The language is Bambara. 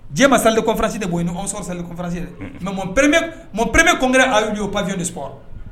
Diema salle de conférence tɛ boyan ni omnisports salle de conférence ye dɛ mais mon premier congrès a eu lieu au pavillon de sport